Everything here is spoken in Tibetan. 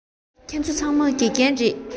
ཁྱེད ཚོ ཚང མ དགེ རྒན རེད